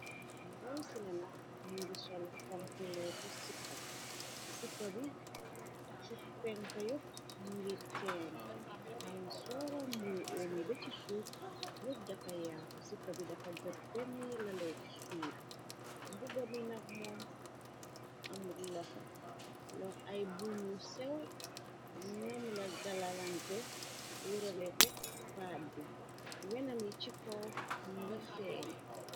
Ndaw sine nak mingi sol kompleetu sipa sipa bi su penka yopp ngi teen baañ sooro mbuo uomi be ci suuf yóp dafa yaaka sipa bi dafa jot bemy lalec suut mbu bo mi nak moom amu loxo lox ay buñu sew ñoom la galalante wërale ko paat bi wenami ci koow ngi feen